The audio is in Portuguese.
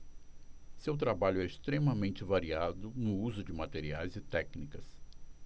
seu trabalho é extremamente variado no uso de materiais e técnicas